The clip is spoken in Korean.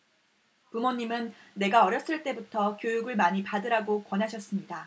부모님은 내가 어렸을 때부터 교육을 많이 받으라고 권하셨습니다